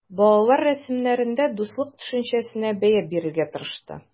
Балалар рәсемнәрендә дуслык төшенчәсенә бәя бирергә тырышты.